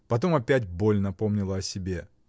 Потом опять боль напомнила о себе.